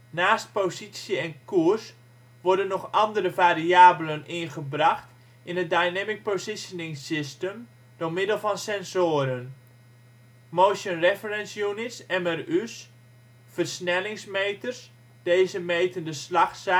Naast positie en koers worden nog andere variabelen ingebracht in het dynamic positioning-systeem door middel van sensoren: Motion Reference Units, MRU 's, versnellingsmeters, deze meten de slagzij